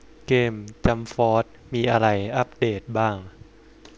เกมจั้มฟอสมีอะไรอัปเดตบ้าง